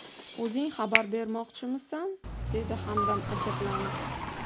o'zing xabar bermoqchimisan dedi hamdam ajablanib